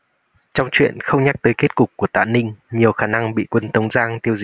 trong truyện không nhắc tới kết cục của tạ ninh nhiều khả năng bị quân tống giang tiêu diệt